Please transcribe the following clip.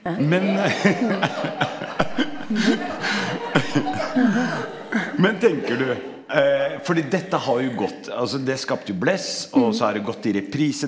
men men tenker du fordi dette har jo gått, altså det skapt jo blest også har det gått i reprise.